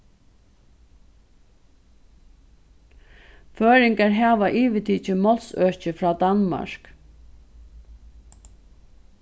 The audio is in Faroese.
føroyingar hava yvirtikið málsøki frá danmark